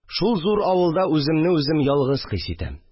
Шул зур авылда үземне үзем ялгыз хис итәм